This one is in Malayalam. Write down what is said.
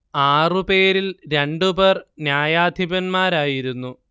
ആറു പേരിൽ രണ്ടുപേർ ന്യായാധിപന്മാരായിരുന്നു